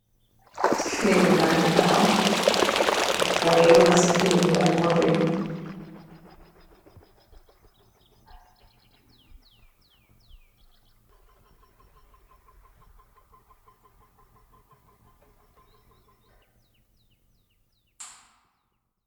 Feeri baañgi taxaw, nit ña ngi dugu si feeri yi ak motto yi